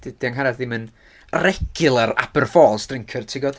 -d 'dy Angharad ddim yn regular Aberfalls drinker ti gwbod.